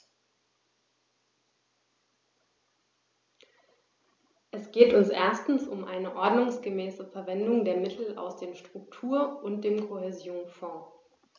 Es geht uns erstens um eine ordnungsgemäße Verwendung der Mittel aus den Struktur- und dem Kohäsionsfonds.